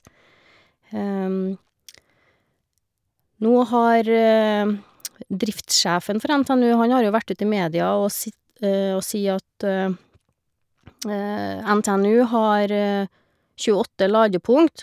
Nå har driftssjefen for NTNU, han har jo vært ut i media og si og sier at NTNU har tjueåtte ladepunkt.